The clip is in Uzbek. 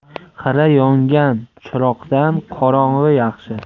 xira yongan chiroqdan qorong'i yaxshi